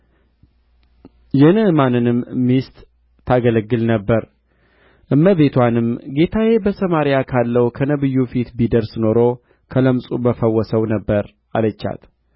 ክቡር ሰው ነበረ ደግሞም ጽኑዕ ኃያል ነበረ ነገር ግን ለምጻም ነበረ ከሶርያውያንም አገር አደጋ ጣዮች ወጥተው ነበር ከእስራኤልም ምድር ታናሽ ብላቴና ሴት ማርከው ነበር